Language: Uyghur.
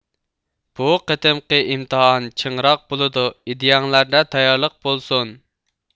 بۇ قېتىمقى ئىمتىھان چىڭراق بولىدۇ ئىدىيەڭلەردە تەييارلىق بولسۇن